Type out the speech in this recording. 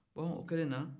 bon o kɛlen na